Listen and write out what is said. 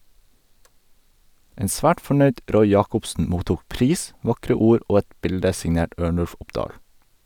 En svært fornøyd Roy Jacobsen mottok pris, vakre ord og et bilde signert Ørnulf Opdahl.